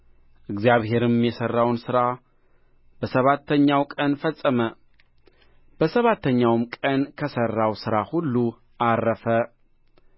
እግዚአብሔርም የሠራውን ሥራ በሰባተኛው ቀን ፈጸመ በሰባተኛውም ቀን ከሠራው ሥራ ሁሉ ዐረፈ